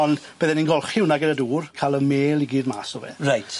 Ond bydden i'n golchi hwnna gyda dŵr ca'l y mêl i gyd mas o fe. Reit.